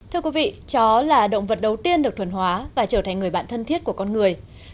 thưa quý vị chó là động vật đầu tiên được thuần hóa và trở thành người bạn thân thiết của con người